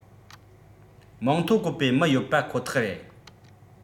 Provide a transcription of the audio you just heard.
མིང ཐོ བཀོད པའི མི ཡོད པ ཁོ ཐག རེད